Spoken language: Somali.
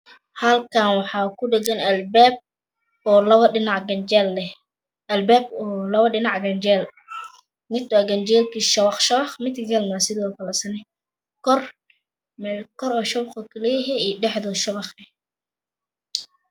Halkaani waxa ku dhagan Albaab oo labada dhinac janjeer leh mid waa janjeertiisa waa shababsabaq midka kalena waa sida kale asna kor ayuu shabaq kà leedahay iyo dhexda shabaq eh